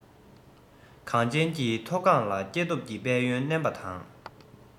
གངས ཅན གྱི མཐོ སྒང ལ སྐྱེ སྟོབས ཀྱི དཔལ ཡོན བསྣན པ དང